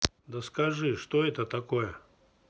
да скажи что это такое